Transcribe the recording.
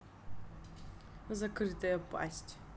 закрытая пасть